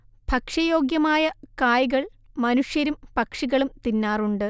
ഭക്ഷ്യയോഗ്യമായ കായ്കൾ മനുഷ്യരും പക്ഷികളും തിന്നാറുണ്ട്